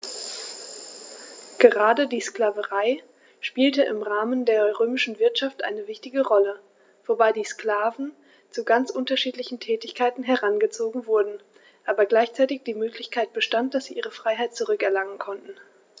Gerade die Sklaverei spielte im Rahmen der römischen Wirtschaft eine wichtige Rolle, wobei die Sklaven zu ganz unterschiedlichen Tätigkeiten herangezogen wurden, aber gleichzeitig die Möglichkeit bestand, dass sie ihre Freiheit zurück erlangen konnten.